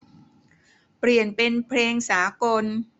เปลี่ยนเป็นเพลงสากล